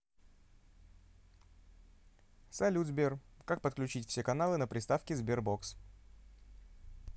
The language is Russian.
салют сбер как подключить все каналы на приставке sberbox